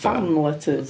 Fan letters?